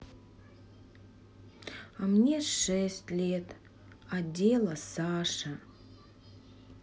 а мне шесть лет а дела саша